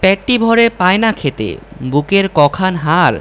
পেটটি ভরে পায় না খেতে বুকের ক খান হাড়